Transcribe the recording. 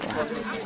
waaw